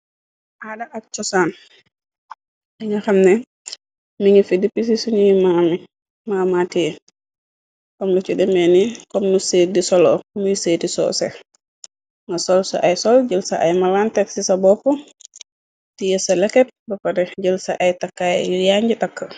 Aada ak chosaan li nga xamne mi ngi fi dippi ci sunuy mami mamatie kom lu ci demeeni kommu seet di solo kumuy seeti soosé nga sol sa ay sol jël sa ay malantex ci sa bopp tiye sa leket ba pare jël sa ay takkaay yu yanje takk.